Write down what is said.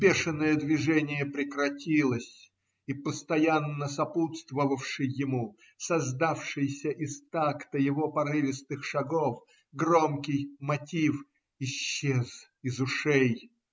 бешеное движение прекратилось, и постоянно сопутствовавший ему, создавшийся из такта его порывистых шагов, громкий мотив исчез из ушей.